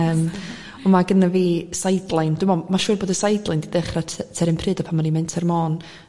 yym on' ma' gyna fi sideline dwi me'l masiwr bod y sideline 'di dechra ty- tua'r un pryd a pan oni'n Menter Môn